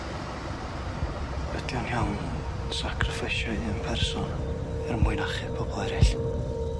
Ydi o'n iawn sacriffeisio un person er mwyn achub pobol eryll?